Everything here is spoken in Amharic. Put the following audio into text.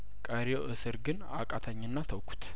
ቀሪው እስር ግን አቃ ተኝና ተውኩት